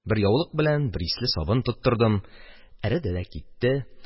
Бер яулык белән бер исле сабын тоттырдым – эреде дә китте.